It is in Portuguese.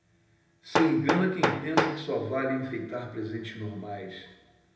se engana quem pensa que só vale enfeitar presentes normais